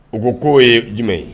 U ko koo ye jumɛn ye